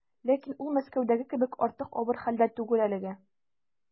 Ләкин ул Мәскәүдәге кебек артык авыр хәлдә түгел әлегә.